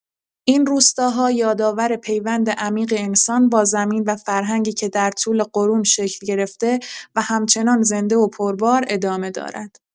این روستاها یادآور پیوند عمیق انسان با زمین و فرهنگی که در طول قرون شکل گرفته و همچنان زنده و پربار ادامه دارد.